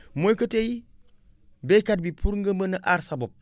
mooy que tey baykat bi pour nga mën a aar sa bopp